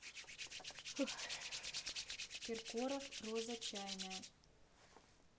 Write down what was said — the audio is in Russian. киркоров роза чайная